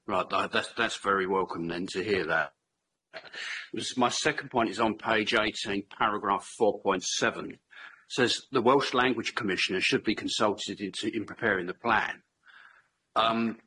Yy right I that that's very welcome then to hear that. My second point is on page eighteen paragraph four point seven, says the Welsh language commissioner should be consulted into in preparing the plan. Yym.